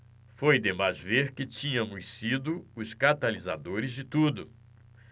foi demais ver que tínhamos sido os catalisadores de tudo